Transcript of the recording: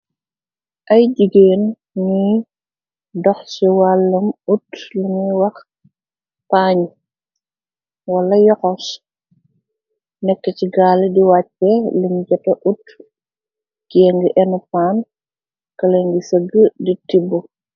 Ay jigéen niy dox ci wàllam ut luñuy wax paañ wala yoxos. Nekk ci gall di wàcce liñ jeta ut jéng enpan kële ngi sëgg ditibb.